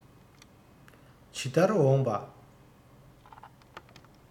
ཇི ལྟར འོངས པ